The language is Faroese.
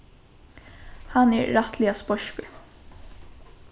hann er rættiliga speiskur